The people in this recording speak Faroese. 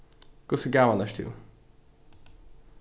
hvussu gamal ert tú